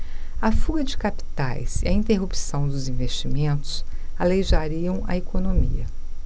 a fuga de capitais e a interrupção dos investimentos aleijariam a economia